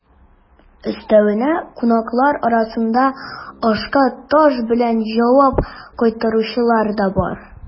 Өстәвенә, кунаклар арасында ашка таш белән җавап кайтаручылар да бар.